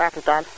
Fatou Tall